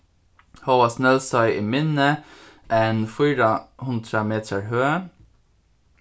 hóast nólsoy er minni enn fýra hundrað metrar høg